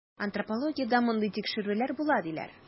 Антропологиядә мондый тикшерүләр була, диләр.